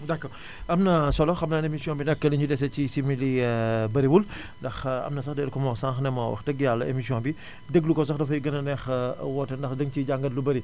d' accord am na solo xam naa ne émission bi nag li énu dese ci simili bariwul ndax am na sax d' ailleurs ku ma wax sànq ne ma wax dëgg yàlla émission bi déglu ko sax dafay gën a neex woote ndax danga ciy jàngat lu bari